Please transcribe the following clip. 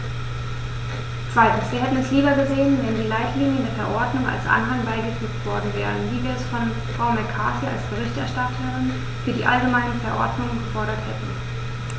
Zweitens: Wir hätten es lieber gesehen, wenn die Leitlinien der Verordnung als Anhang beigefügt worden wären, wie wir es von Frau McCarthy als Berichterstatterin für die allgemeine Verordnung gefordert hatten.